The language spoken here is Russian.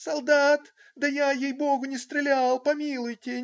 "Солдат, да я, ей-Богу, не стрелял, помилуйте!